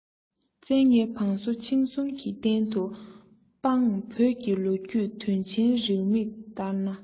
བཙན ལྔའི བང སོ འཆིང གསུང གི རྟེན དུ དཔང བོད ཀྱི ལོ རྒྱུས དོན ཆེན རེའུ མིག ལྟར ན